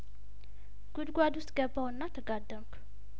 ጉድጓዱ ውስጥ ገባሁና ተጋደምኩ